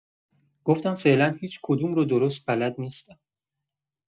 گفتم فعلا هیچ‌کدوم رو درست بلد نیستم.